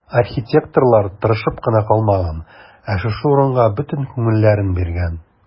Архитекторлар тырышып кына калмаган, ә шушы урынга бөтен күңелләрен биргән.